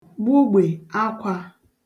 gbugbè akwā